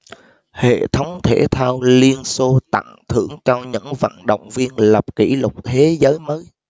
hệ thống thể thao liên xô tặng thưởng cho những vận động viên lập kỷ lục thế giới mới